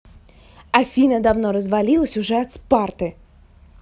афина давно развалились уже от спарты